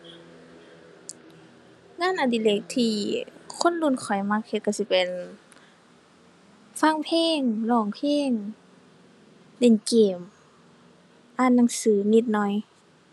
งานอดิเรกที่คนรุ่นข้อยมักเฮ็ดก็สิเป็น ฟังเพลง ร้องเพลง เล่นเกม อ่านหนังสือนิดหน่อย